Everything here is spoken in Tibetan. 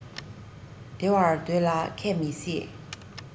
བདེ བར སྡོད ལ མཁས མི སྲིད